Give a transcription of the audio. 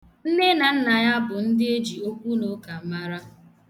Nne na nna ya bụ ndị eji okwunụka mara.